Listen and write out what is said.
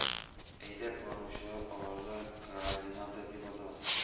Әйдәп баручылар аларда координатор дип атала.